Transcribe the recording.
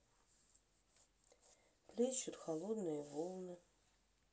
плещут холодные волны